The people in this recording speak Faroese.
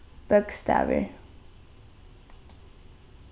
bókstavir